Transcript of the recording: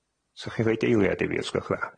'Sa chi'n rhoid eiliad i fi os gwel'ch yn dda?